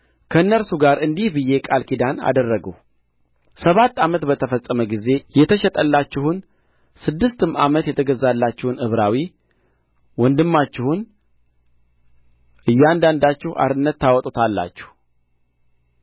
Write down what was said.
ከእነርሱ ጋር እንዲህ ብዬ ቃል ኪዳን አደረግሁ ሰባት ዓመት በተፈጸመ ጊዜ የተሸጠላችሁን ስድስትም ዓመት የተገዛላችሁን ዕብራዊ ወንድማችሁን እያንዳንዳችሁ አርነት ታወጡታላችሁ